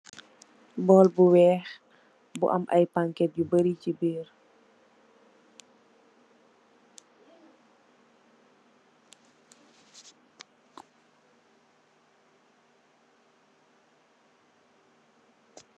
Bóól bu wèèx bu am ay panket yu bari ci biir .